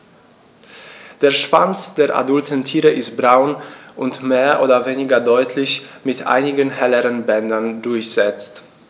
Der Schwanz der adulten Tiere ist braun und mehr oder weniger deutlich mit einigen helleren Bändern durchsetzt.